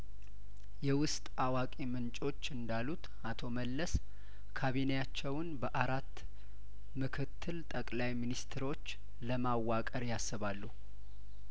የውስጥ አዋቂምንጮች እንዳሉት አቶ መለስ ካቢኔያቸውን በአራት ምክትል ጠቅለይ ሚንስትሮች ለማዋቀር ያስባሉ